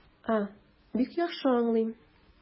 А, бик яхшы аңлыйм.